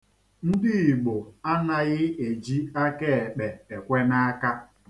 Ndị Igbo anaghị eji akaekpe ekwe n'aka.